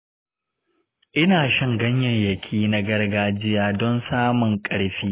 ina shan ganyayyaki na gargajiya don samun ƙarfi.